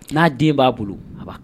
N'a den b'a bolo a